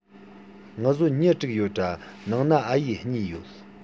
ངུ བཟོ མྱི དྲུག ཡོད དྲ ནང ན ཨ ཡེས གཉིས ཡོད